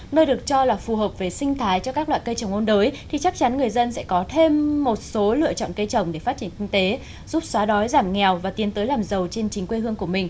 nơi được cho là phù hợp về sinh thái cho các loại cây trồng ôn đới thì chắc chắn người dân sẽ có thêm một số lựa chọn cây trồng để phát triển kinh tế giúp xóa đói giảm nghèo và tiến tới làm giàu trên chính quê hương của mình